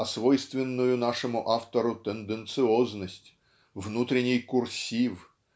а свойственную нашему автору тенденциозность внутренний курсив